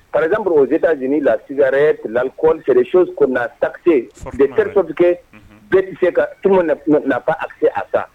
par exemple, aux Etas -unis, la cigaretee , l'alchool, c'est les chose qu'o na taxé de telle sorte bɛ tɛ se tout le monde n'a pas acces à ça